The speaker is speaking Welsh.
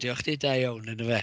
Diolch i ti, da iawn yn dyfe.